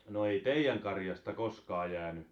no ei teidän karjasta koskaan jäänyt